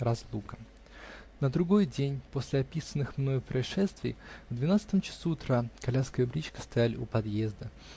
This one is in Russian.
РАЗЛУКА. На другой день после описанных мною происшествий, в двенадцатом часу утра, коляска и бричка стояли у подъезда.